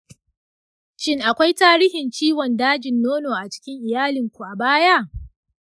shin akwai tarihin ciwon dajin nono a cikin iyalinku a baya?